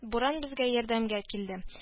Буран безгә ярдәмгә килде